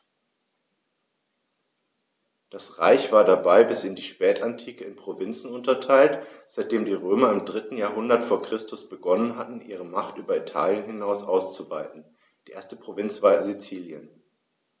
Das Reich war dabei bis in die Spätantike in Provinzen unterteilt, seitdem die Römer im 3. Jahrhundert vor Christus begonnen hatten, ihre Macht über Italien hinaus auszuweiten (die erste Provinz war Sizilien).